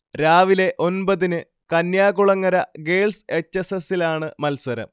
രാവിലെ ഒൻപതിന് Kanyakulangara girls H S എസിലാണ് മത്സരം